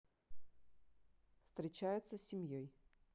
встречаются с семьей